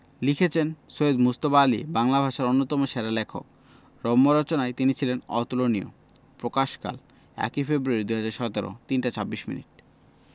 লিখেছেনঃ সৈয়দ মুজতবা আলী বাংলা ভাষার অন্যতম সেরা লেখক রম্য রচনায় তিনি ছিলেন অতুলনীয় প্রকাশকালঃ ০১ ফেব্রুয়ারী ২০১৭ ৩টা ২৬ মিনিট